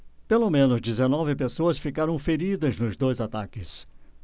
pelo menos dezenove pessoas ficaram feridas nos dois ataques